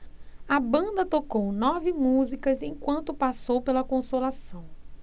a banda tocou nove músicas enquanto passou pela consolação